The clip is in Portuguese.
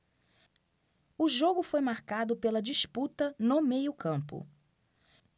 o jogo foi marcado pela disputa no meio campo